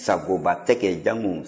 sagoba tɛgɛ ja n kun